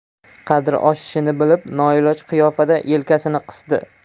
qadri oshishini bilib noiloj qiyofada yelkasini qisdi